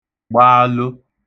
gbaalo